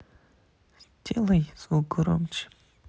сделай звук громче